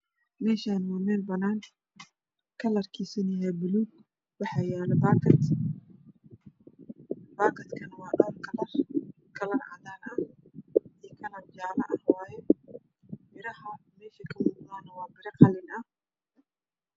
Meshan waa mel banan ah kalarkis yhay baluug waxa yalo bakad waa dhoor kalar kalar cadan ah io jale biraha mesh kamuqdan waa qalin